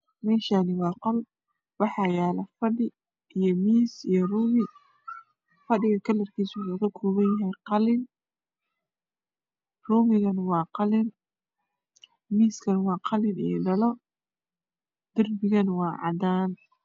Meshan waa qol waxa yalo fadhi oi mis oi roomi fadiga waa qalin romigan waa qalin misgan waa qalin io dhalo darbigan waa cadan